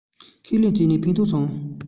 ཁས ལེན བྱས ན ཕན ཐོགས སོང